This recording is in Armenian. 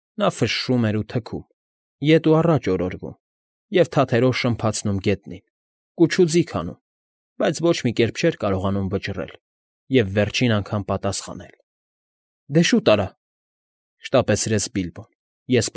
Նա ֆշշում էր ու թքում, ետ ու առաջ օրորվում և թաթերով շրմփացնում գետնին, կուչուձիգ անում, բայց ոչ մի կերպ չէր կարողանում վճռել և վերջին անգամ պատասխանել։ ֊ Դե, շուտ արա,֊ շտապեցրեց Բիլբոն։ ֊ Ես։